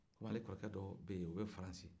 kɔmi ale kɔrɔkɛ dɔ bɛ yen o bɛ faransi